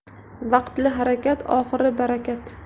vaqtli harakat oxiri barakat